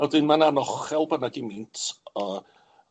A wedyn ma'n anochel bo' 'na gymint o